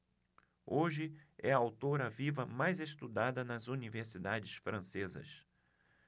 hoje é a autora viva mais estudada nas universidades francesas